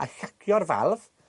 a llacio'r falf,